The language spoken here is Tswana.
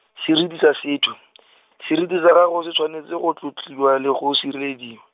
seriti sa setho , seriti sa gago se tshwanetse go tlotliwa le go sirelediwa.